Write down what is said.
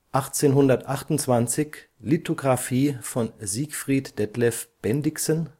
1828 Lithographie von Siegfried Detlev Bendixen